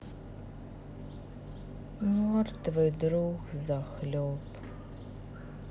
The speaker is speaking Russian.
мертвый друг взахлеб